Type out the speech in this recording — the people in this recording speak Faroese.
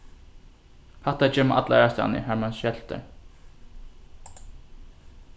hatta ger mann alla aðrastaðni har mann skeltar